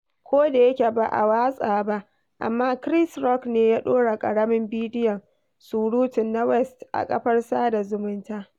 Kodayake ba a watsa ba, amma Chris Rock ne ya ɗora ƙaramin bidiyon surutun na West a kafar sada zumunta.